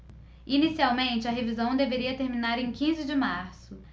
inicialmente a revisão deveria terminar em quinze de março